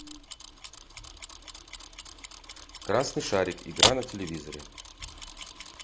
красный шарик игра на телевизоре